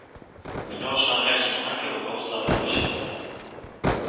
Мине ашарга җыенган кебек авызларын ачалар